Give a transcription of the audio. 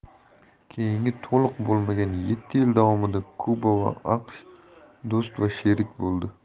keyingi to'liq bo'lmagan yetti yil davomida kuba va aqsh do'st va sherik bo'ldi